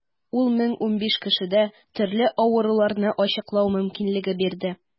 Ул 1015 кешедә төрле авыруларны ачыклау мөмкинлеге бирде.